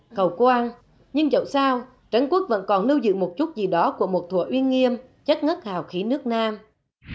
cầu quan nhưng dẫu sao trấn quốc vẫn còn lưu giữ một chút gì đó của một thỏa uy nghiêm chất ngất hào khí nước nam